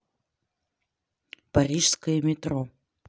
парижское метро